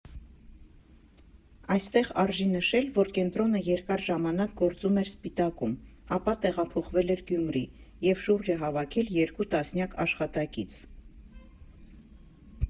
Այստեղ արժի նշել, որ կենտրոնը երկար ժամանակ գործում էր Սպիտակում, ապա տեղափոխվել էր Գյումրի և շուրջը հավաքել երկու տասնյակ աշխատակից։